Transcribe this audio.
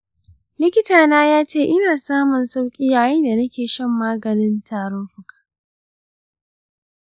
likitana ya ce ina samun sauƙi yayin da nake shan maganin tarin fuka.